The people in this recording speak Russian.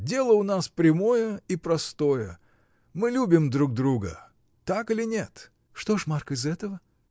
Дело у нас прямое и простое: мы любим друг друга. Так или нет? — Что же, Марк, из этого?